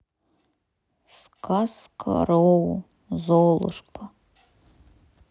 сказка роу золушка